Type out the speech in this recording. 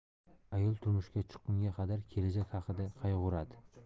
ayol turmushga chiqqunga qadar kelajak haqida qayg'uradi